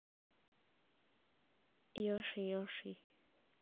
йоши йоши